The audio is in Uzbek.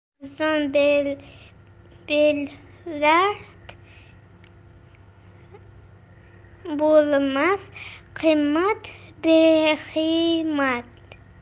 arzon beillat bo'lmas qimmat behikmat